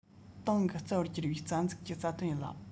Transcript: ཏང གི རྩ བར གྱུར པའི རྩ འཛུགས ཀྱི རྩ དོན ཡིན ལ